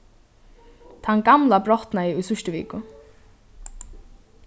tann gamla brotnaði í síðstu viku